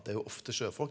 det er jo ofte sjøfolk.